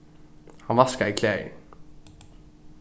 hann vaskaði klæðir